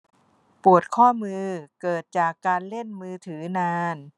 ปวดข้อมือเกิดจากการเล่นมือถือนาน